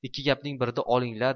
ikki gapning birida olinglar